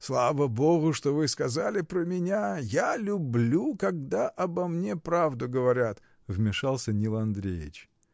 Слава Богу, что вы сказали про меня: я люблю, когда обо мне правду говорят! — вмешался Нил Андреич.